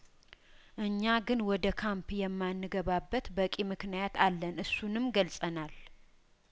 እኛ ግን ወደ ካምፕ የማን ገባበት በቂምክንያት አለን እሱንም ገልጸናል